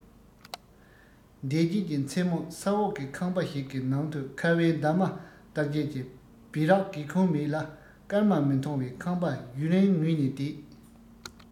འདས རྗེས ཀྱི མཚན མོ ས འོག གི ཁང པ ཞིག གི ནང དུ ཁ བའི འདབ མ རྟགས ཅན གྱི སྦི རག སྒེའུ ཁུང མེད ལ སྐར མ མི མཐོང བའི ཁང པ ཡུན རིང ངུས ནས བསྡད